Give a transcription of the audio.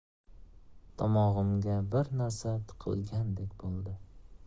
tomog'imga bir narsa tiqilgandek bo'ldi